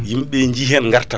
yimɓeɓe jiihen gartam